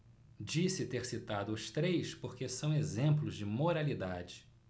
disse ter citado os três porque são exemplos de moralidade